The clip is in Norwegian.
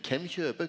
kven kjøper?